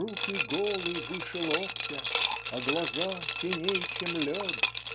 Руки голы выше локтя, А глаза синей, чем лед.